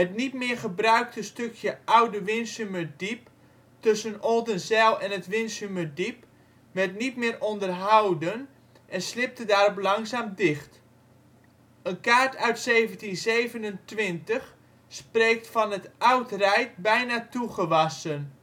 niet meer gebruikte stukje oude Winsumerdiep tussen Oldenzijl en het Winsumerdiep werd niet meer onderhouden en slibde daarop langzaam dicht. Een kaart uit 1727 spreekt van ' het Oudt Rijdt bijna toegewassen